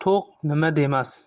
to'q nima demas